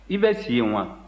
i bɛ si yen wa